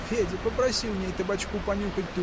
Федя, попроси у ней табачку понюхать